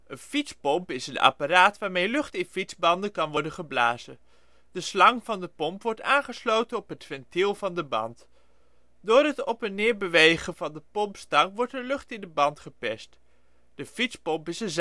Een fietspomp is een apparaat waarmee lucht in fietsbanden kan worden geblazen. De slang van de pomp wordt aangesloten op het ventiel van de band. Door het op en neer bewegen van pompstang wordt lucht in de band geperst. De fietspomp is een zuigerpomp